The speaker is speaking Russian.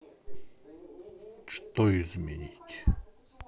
что изменить